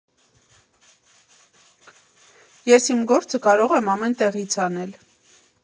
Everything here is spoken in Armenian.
֊ Ես իմ գործը կարող եմ ամեն տեղից անել։